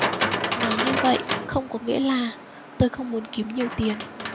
nói như vậy không có nghĩa là tôi không muốn kiếm nhiều tiền